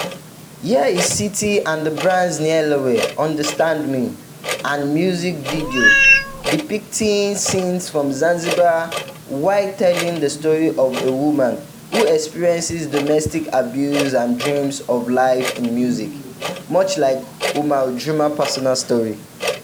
Here's Siti and the Band's "Nielewe" ("Understand Me") and music video, depicting scenes from Zanzibar while telling the story of a woman who experiences domestic abuse and dreams of life in music, much like Omar Juma's personal story: